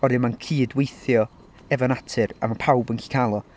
Oherwydd mae'n cydweithio efo natur a mae pawb yn gallu cael o.